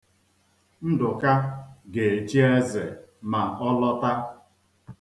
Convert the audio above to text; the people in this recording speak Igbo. Ndụka ga-echi eze ma ọ lọta.